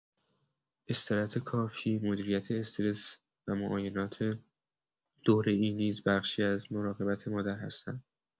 استراحت کافی، مدیریت استرس و معاینات دوره‌ای نیز بخشی از مراقبت مادر هستند.